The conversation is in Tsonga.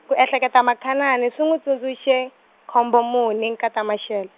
ku ehleketa Makhanani swi n'wi tsundzuxe, Khombomuni nkata Mashele.